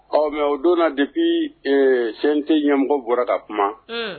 Ɔ mɛ o donna de bi sɛ tɛ ɲɛmɔgɔ bɔra ka kuma